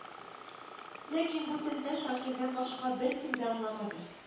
Ләкин бу телне Шакирдән башка беркем дә аңламады